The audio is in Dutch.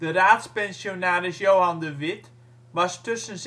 raadspensionaris Johan de Witt was tussen